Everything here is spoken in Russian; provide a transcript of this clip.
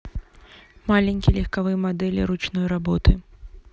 маленькие легковые модели ручной работы